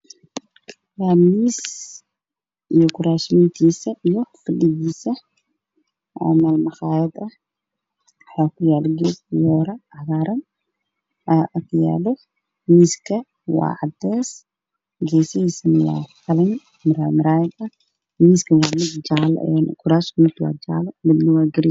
Meeshaan waa maqaayad waxaa yaalo miis iyo fadhi miiska midabkiisa wax qaliin leer ayaa ka ifaayo kid cagaarka yaalla waana maqaad qurux badan